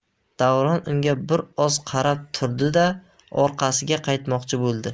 davron unga bir oz qarab turdi da orqasiga qaytmoqchi bo'ldi